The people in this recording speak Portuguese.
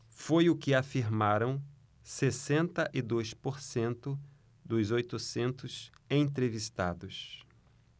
foi o que afirmaram sessenta e dois por cento dos oitocentos entrevistados